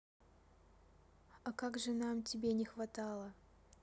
а как же нам тебе не хватало